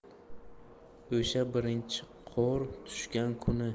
o'sha birinchi qor tushgan kuni